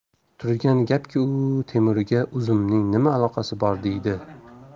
turgan gapki u temurga uzumning nima aloqasi bor deydi